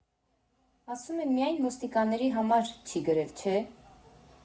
Ասում է՝ միայն ոստիկանների համար չի գրել, չէ՞։